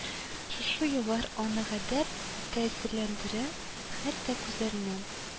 Шушы юллар аны гаҗәп тәэсирләндерә, хәтта күзләреннән